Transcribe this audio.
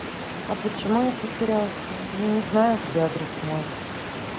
а почему я потерялся я не знаю где адрес мой